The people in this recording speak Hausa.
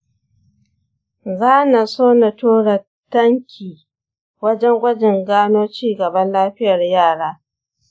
zanaso na tura danki wajen gwajin gano cigaban lafiyar yara.